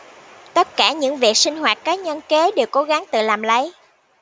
tất cả những việc sinh hoạt cá nhân kế đều cố gắng tự làm lấy